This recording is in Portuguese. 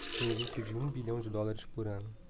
tem lucro de um bilhão de dólares por ano